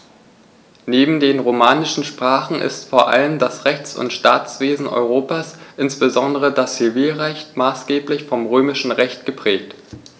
Neben den romanischen Sprachen ist vor allem das Rechts- und Staatswesen Europas, insbesondere das Zivilrecht, maßgeblich vom Römischen Recht geprägt.